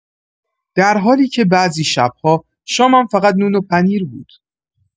در حالی که بعضی شب‌ها شامم فقط نون و پنیر بود.